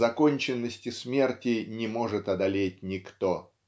Законченности смерти не может одолеть никто.